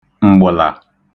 m̀gbə̣̀là